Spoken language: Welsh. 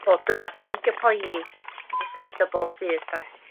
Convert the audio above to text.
Pob dwrnod a pidio poeni ti jys neud o bob dydd 'de.